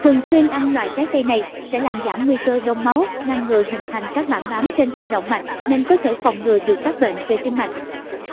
thường xuyên ăn loại trái cây này sẽ làm giảm nguy cơ đông máu ngăn ngừa hình thành các mảng bám trên thành động mạch nên có thể phòng ngừa được các bệnh về tim mạch